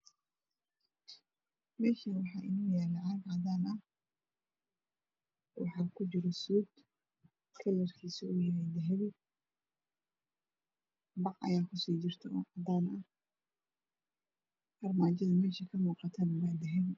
Meeshaan waxaa inoo yaalo caag cadaan ah waaxa kujiro suud kalarkiisa uu yahay dahabi bac ayaa kusii jirto cadaan ah ramaajada meesha kamuuqatana waa dahabi